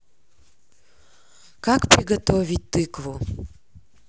как приготовить тыкву